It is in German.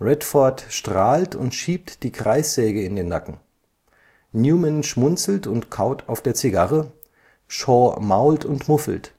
Redford strahlt und schiebt die Kreissäge in den Nacken, Newman schmunzelt und kaut auf der Zigarre, Shaw mault und muffelt.